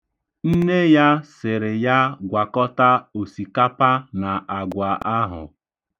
Nne ya sịrị ya gwakọta osikapa na agwa ahụ.